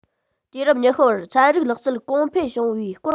དུས རབས ཉི ཤུ པར ཚན རིག ལག རྩལ གོང འཕེལ བྱུང བའི སྐོར